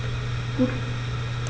Gut.